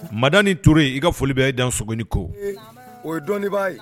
Mada ni tora yen i ka foli bɛ e dan sni ko o ye dɔnnibaa ye